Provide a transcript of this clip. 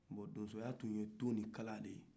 bon donso ya tun ye tu ni kala de ye